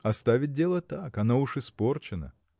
оставить дело так: оно уже испорчено.